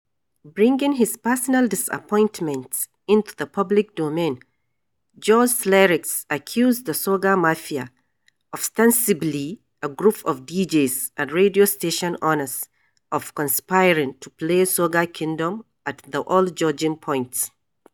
Bringing his personal disappointment into the public domain, George's lyrics accused the "soca mafia" — ostensibly a group of deejays and radio station owners — of conspiring to play "Soca Kingdom" at the all judging points.